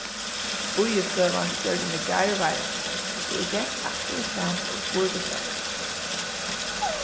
bíðistøðan gjørdi meg djarvari so eg gekk aftur og fram og spurdi fólk